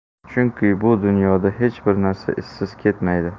chunki bu dunyoda hech bir narsa izsiz ketmaydi